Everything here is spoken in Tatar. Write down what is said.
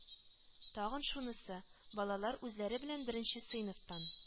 Тагын шунысы, балалар үзләре белән беренче сыйныфтан